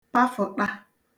pafùṭa